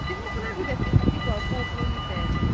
Dwi'n meddwl bod hwnna'n rhywbeth dwi'n hoffi gweld bob blwyddyn.